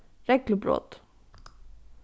reglubrot